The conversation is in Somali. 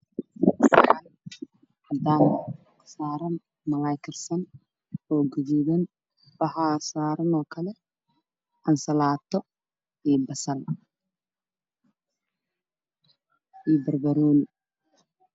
Saxan cadan ah saran malay karsan oo gaduudan waxasaran oo kale asalato io basal io barbaroni